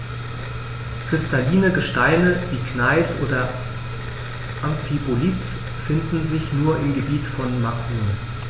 Kristalline Gesteine wie Gneis oder Amphibolit finden sich nur im Gebiet von Macun.